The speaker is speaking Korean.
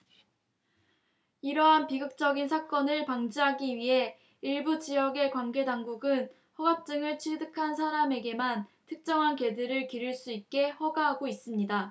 이러한 비극적인 사건을 방지하기 위해 일부 지역의 관계 당국은 허가증을 취득한 사람에게만 특정한 개들을 기를 수 있게 허가하고 있습니다